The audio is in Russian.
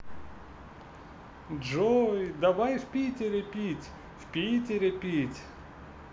джой давай в питере пить в питере пить